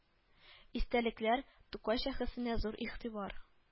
Истәлекләр, тукай шәхесенә зур игътибар